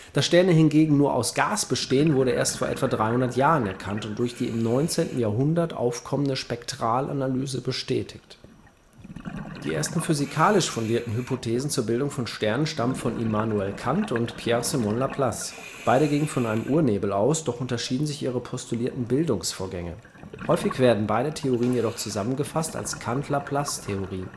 Dass Sterne hingegen nur aus Gas bestehen, wurde erst vor etwa 300 Jahren erkannt – unter anderem durch verschiedene Deutungen der Sonnenflecke – und durch die im 19. Jahrhundert aufkommende Spektralanalyse bestätigt. Die ersten physikalisch fundierten Hypothesen zur Bildung von Sternen stammen von Kant und Laplace. Beide gingen von einem Urnebel aus, doch unterschieden sich ihre postulierten Bildungsvorgänge. Häufig werden beide Theorien jedoch zusammengefasst als Kant-Laplace-Theorie